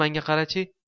manga qara chi